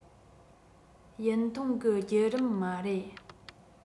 ཡུན ཐུང གི བརྒྱུད རིམ མ རེད